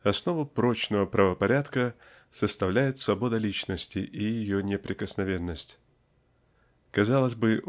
Основу прочного правопорядка составляет свобода личности и ее неприкосновенность. Казалось бы